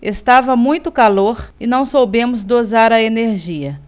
estava muito calor e não soubemos dosar a energia